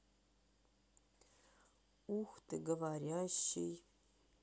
ух ты говорящий